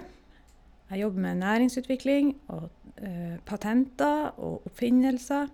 Jeg jobber med næringsutvikling og d patenter og oppfinnelser.